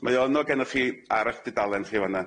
mae o yno genoch chi ar y'ch dudalen chi fa'na.